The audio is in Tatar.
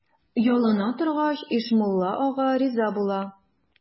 Ялына торгач, Ишмулла ага риза була.